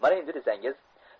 mana endi desangiz